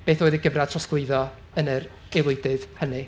Beth oedd y gyfradd trosglwyddo yn yr aelwyddydd hynny?